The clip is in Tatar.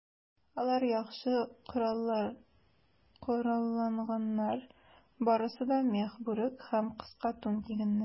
Алар яхшы коралланганнар, барысы да мех бүрек һәм кыска тун кигәннәр.